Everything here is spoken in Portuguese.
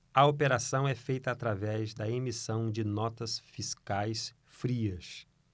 a operação é feita através da emissão de notas fiscais frias